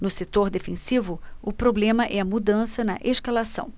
no setor defensivo o problema é a mudança na escalação